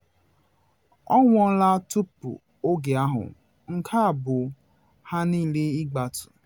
Ọ nwụọla tupu oge ahụ, nke a bụ ha niile ịgbatu.